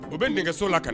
O bɛ nɛgɛso la ka na